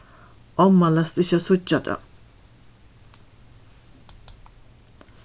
omma lætst ikki at síggja tað